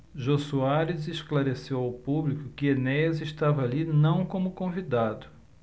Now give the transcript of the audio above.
jô soares esclareceu ao público que enéas estava ali não como convidado